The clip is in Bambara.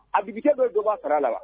A bikɛ dɔ dɔba kara la wa